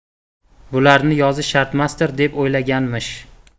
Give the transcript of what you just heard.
bularni yozish shartmasdir deb o'ylaganmish